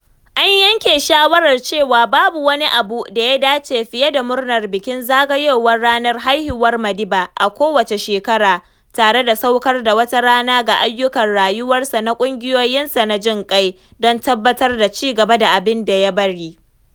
An yanke shawarar cewa babu wani abu da ya dace fiye da murnar bikin zagayowar ranar haihuwar Madiba a kowacce shekara, tare da sadaukar da wata rana ga ayyukan rayuwarsa da na ƙungiyoyinsa na jin ƙai, don tabbatar da ci gaba da abinda ya bari.